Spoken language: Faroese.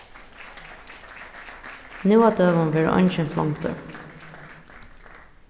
nú á døgum verður eingin flongdur